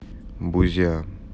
бузя